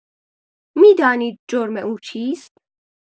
می‌دانید جرم او چیست؟